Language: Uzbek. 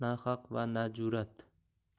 sanat bor na haq va na jurat